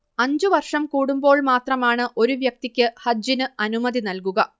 അഞ്ചു വർഷം കൂടുമ്പോൾ മാത്രമാണ് ഒരു വ്യക്തിക്ക് ഹജ്ജിനു അനുമതി നൽകുക